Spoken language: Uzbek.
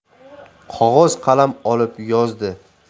qog'oz qalam olib yozdi